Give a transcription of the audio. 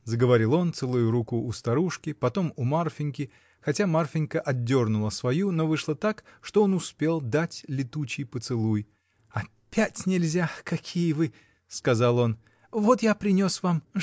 — заговорил он, целуя руку у старушки, потом у Марфиньки, хотя Марфинька отдернула свою, но вышло так, что он успел дать летучий поцелуй. — Опять нельзя — какие вы!. — сказал он. — Вот я принес вам.